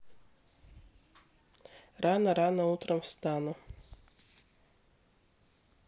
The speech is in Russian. рано рано утром встану